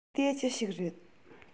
དེ ཅི ཞིག རེད